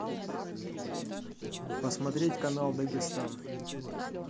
посмотреть канал дагестан